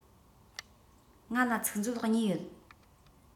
ང ལ ཚིག མཛོད གཉིས ཡོད